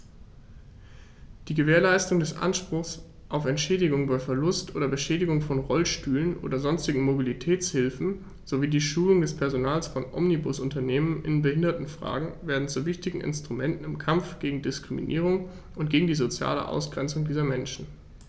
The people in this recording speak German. Die Gewährleistung des Anspruchs auf Entschädigung bei Verlust oder Beschädigung von Rollstühlen oder sonstigen Mobilitätshilfen sowie die Schulung des Personals von Omnibusunternehmen in Behindertenfragen werden zu wichtigen Instrumenten im Kampf gegen Diskriminierung und gegen die soziale Ausgrenzung dieser Menschen.